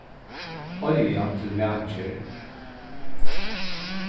olja til matgerð